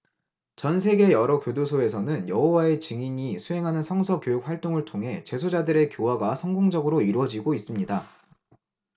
전 세계의 여러 교도소에서는 여호와의 증인이 수행하는 성서 교육 활동을 통해 재소자들의 교화가 성공적으로 이루어지고 있습니다